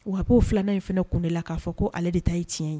Wa'o filanan in fana kun de la k'a fɔ ko ale de ta ye tiɲɛ ye